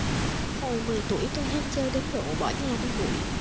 hồi mười tuổi tôi ham chơi đến độ bỏ nhà đi bụi